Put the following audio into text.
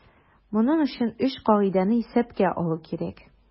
Моның өчен өч кагыйдәне исәпкә алу кирәк.